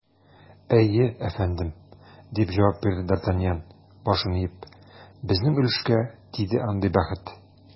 Әйе, әфәндем, - дип җавап бирде д’Артаньян, башын иеп, - безнең өлешкә тиде андый бәхет.